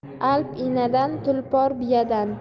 alp enadan tulpor biyadan